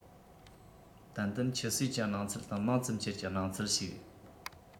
ཏན ཏན ཆུད ཟོས ཀྱི སྣང ཚུལ དང མང ཙམ ཁྱེར ཀྱི སྣང ཚུལ ཞིག